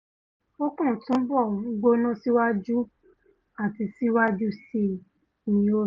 Ó kàn túnbọ̀ ń gbóná síwájú àti síwájú síi,'' ní ó sọ.